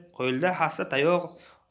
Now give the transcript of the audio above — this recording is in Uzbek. qo'lida hassa tayoq